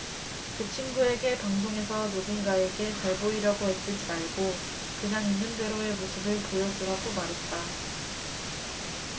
그 친구에게 방송에서 누군가에게 잘 보이려고 애쓰지 말고 그냥 있는 그대로의 모습을 보여 주라고 말했다